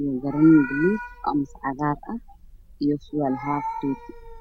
io garn buluug ah khamiis cagaar ah io surwaal daliin ah